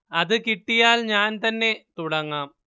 അത് കിട്ടിയാൽ ഞാൻ തന്നെ തുടങ്ങാം